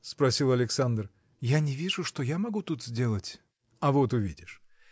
– спросил Александр, – я не вижу, что я могу тут сделать. – А вот увидишь.